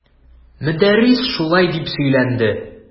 Мөдәррис шулай дип сөйләнде.